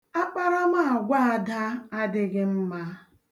Akparaamaagwa Ada adịghị mma.